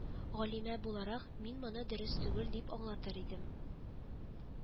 Галимә буларак, мин моны дөрес түгел дип аңлатыр идем